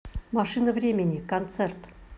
машина времени концерт